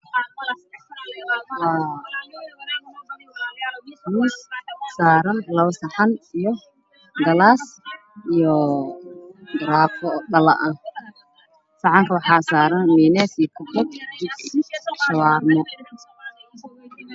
Waa miis saaran laba sahan iyo class iyo cabitaan cabsi ah saxanka waxaa ku jiro mofo iyo maraq galaaskana biyo ayaa ku jiro